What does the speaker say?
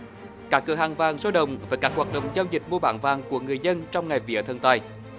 các cửa hàng vàng sôi động với các hoạt động giao dịch mua bán vàng của người dân trong ngày vía thần tài